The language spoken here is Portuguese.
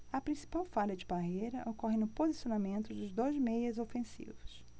a principal falha de parreira ocorre no posicionamento dos dois meias ofensivos